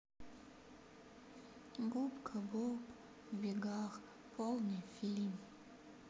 губка боб в бегах полный фильм